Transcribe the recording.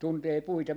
tuntee puita